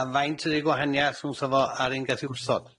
A faint ydi'r gwahaniath rhwngthy fo a'r un gath ei wrthod?